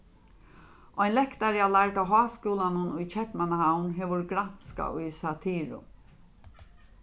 ein lektari á lærda háskúlanum í keypmannahavn hevur granskað í satiru